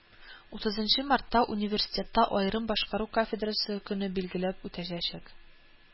Утызынчы мартта университетта аерым башкару кафедрасы көне билгеләп үтеләчәк